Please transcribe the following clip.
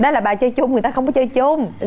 đó là bà chơi chung người ta hông có chơi chung